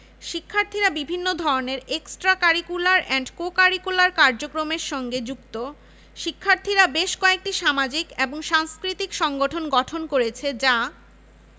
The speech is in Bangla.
শিক্ষার্থীরা বিভিন্ন ধরনের এক্সটা কারিকুলার এবং কো কারিকুলার কার্যক্রমরে সঙ্গে যুক্ত শিক্ষার্থীরা বেশ কয়েকটি সামাজিক এবং সাংস্কৃতিক সংগঠন গঠন করেছে যা